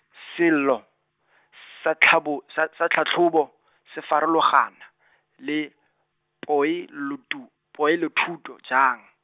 Sello, sa tlhabo, sa sa tlhatlhobo, se farologana, le, poelotu-, poelothuto jang?